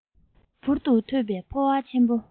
འབུར དུ ཐོན པའི ཕོ བ ཆེན པོ